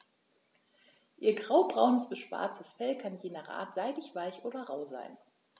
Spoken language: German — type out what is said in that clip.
Ihr graubraunes bis schwarzes Fell kann je nach Art seidig-weich oder rau sein.